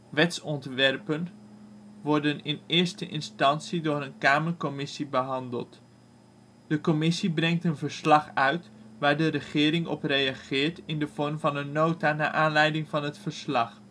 Wetsontwerpen worden in eerste instantie door een kamercommissie behandeld. De commissie brengt een verslag uit, waar de regering op reageert in de vorm van een Nota naar aanleiding van het verslag